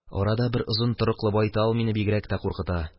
Арада бер озын торыклы байтал мине бигрәк тә куркыта